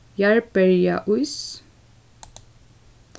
jarðberjaís